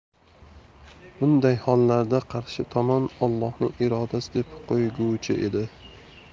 bunday hollarda qarshi tomon ollohning irodasi deb qo'yguchi edi